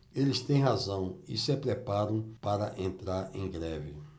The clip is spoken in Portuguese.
eles têm razão e se preparam para entrar em greve